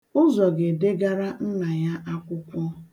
Ụzọ ga-edegara nna ya akwụkwọ.